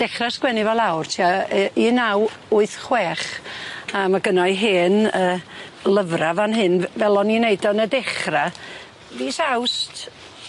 Dechra sgwennu fo lawr tua yy un naw wyth chwech a ma' gynno i hen yy lyfra fan hyn f- fel o'n i'n neud o yn y dechra fis Awst